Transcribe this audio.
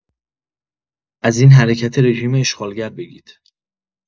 از این حرکت رژیم اشغالگر بگید